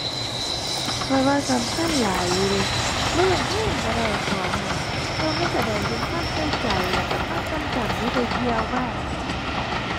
ข้อยว่าสำคัญหลายอยู่เดะ บ่ต้องแพงก็ได้ของน่ะแต่ว่ามันแสดงถึงความใส่ใจแล้วก็ความทรงจำที่ไปเที่ยวมา